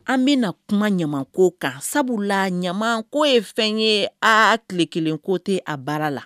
An bɛna kuma ɲama ko kan sabula la ɲama ko ye fɛn ye aa tile kelen ko tɛ a baara la